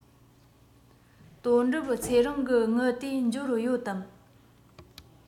དོན གྲུབ ཚེ རིང གི དངུལ དེ འབྱོར ཡོད དམ